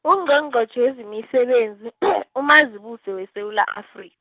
Ungqongqotjhe wezemisebenzi, uMazibuse weSewula Afri-.